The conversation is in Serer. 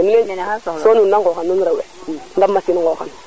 so nuun na ŋoxan nuun rewe ndam machine ŋoxan